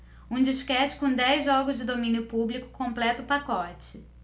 um disquete com dez jogos de domínio público completa o pacote